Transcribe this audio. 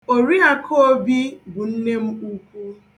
Oriakụ Obi bụ nne m ukwu.